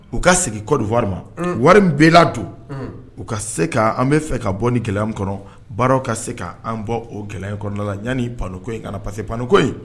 U ka segi Cote d'ivoir ma, unn, wari min bɛ ladon, un, o ka se ka an bɛ fɛ ka bɔ ni gɛlɛya mi kɔnɔ baaraw ka se ka an bɔ o gɛlɛya kɔnɔ la yani paneau ko in ka na parce que paneau ko in